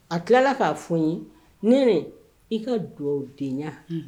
A tilala k' f n ye ni nin i ka dugawu den